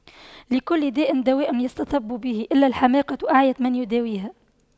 لكل داء دواء يستطب به إلا الحماقة أعيت من يداويها